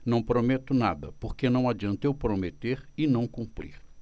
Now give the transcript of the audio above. não prometo nada porque não adianta eu prometer e não cumprir